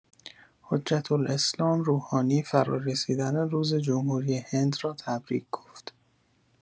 حجت‌الاسلام روحانی فرارسیدن روز جمهوری هند را تبریک گفت.